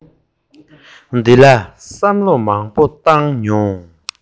འདི ལ བསམ བློ མང པོ བཏང མྱོང